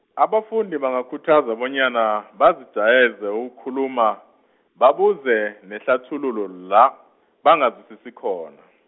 abafundi bangakhuthazwa bonyana, bazijayeze ukukhuluma, babuze nehlathululo la, bangazwisisi khona.